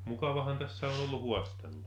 mukavahan tässä on ollut haastella